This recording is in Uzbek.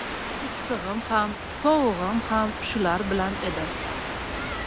issig'im ham sovug'im ham shular bilan edi